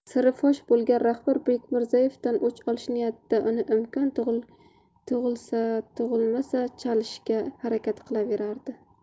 siri fosh bo'lgan rahbar bekmirzaevdan o'ch olish niyatida uni imkon tug'ilsatug'ilmasa chalishga harakat qilaveradi